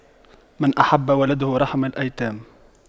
من أحب ولده رحم الأيتام